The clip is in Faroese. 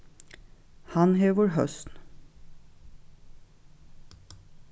hann hevur høsn